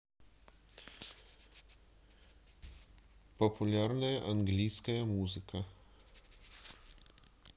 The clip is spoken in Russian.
популярная английская музыка